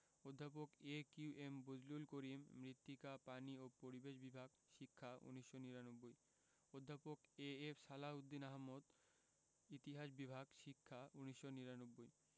অধ্যাপক A Q M Bazlul Karim মৃত্তিকা পানি ও পরিবেশ বিভাগ শিক্ষা ১৯৯৯ অধ্যাপক এ.এফ সালাহ উদ্দিন আহমদ ইতিহাস বিভাগ শিক্ষা ১৯৯৯